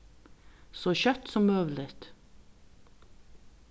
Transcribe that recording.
so skjótt sum møguligt